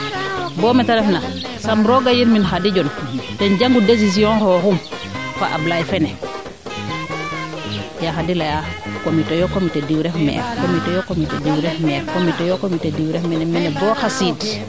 bo meete ref na sam rooga yirmin Khady Dione ten jangu decision xooxum fa Ablaye dene Ya Khady leyaa comité yoo comité diw ref maire comité yoo comité diw ref maire mene boo xa siid